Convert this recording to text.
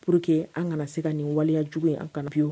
Pur que an kana se ka nin waleya juguya ye an kanubiwu